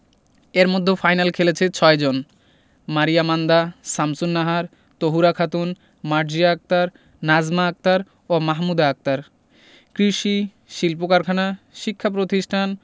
এর মধ্যেও ফাইনালে খেলেছে ৬ জন মারিয়া মান্দা শামসুন্নাহার তহুরা খাতুন মার্জিয়া আক্তার নাজমা আক্তার ও মাহমুদা আক্তার কৃষি শিল্পকারখানা শিক্ষাপ্রতিষ্ঠান